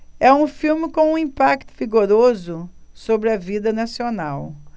é um filme com um impacto vigoroso sobre a vida nacional